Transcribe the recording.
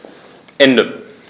Ende.